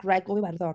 Greg o Iwerddon.